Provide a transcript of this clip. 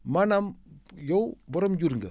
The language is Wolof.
maanaam yow borom jur nga